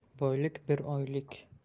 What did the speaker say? boylik bir oylik